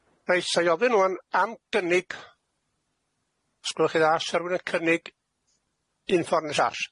Reit, 'na i ofyn ŵan am gynnig, os gwelwch chi dda. O's 'a rywun yn cynnig un ffor ne' llall?